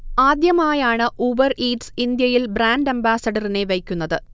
ആദ്യമായാണ് Uber Eats ഇന്ത്യയിൽ brand അംബാസഡറിനെ വയ്ക്കുന്നത്